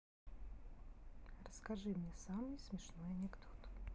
расскажи мне самый смешной анекдот